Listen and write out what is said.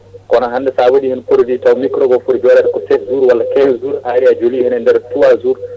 kono hande sa waɗi hen produit taw microbe o footi joɗade ko 7 jours walla 15 jours a ari a jooli hen e nder 3 jours